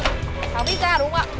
tháo vít ra đúng không ạ